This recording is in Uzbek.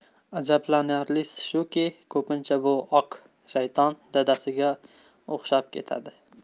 ajablanarlisi shuki kupincha bu ok shayton dadasiga uxshab ketadi